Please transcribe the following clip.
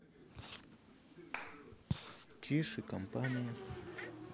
чиж и компания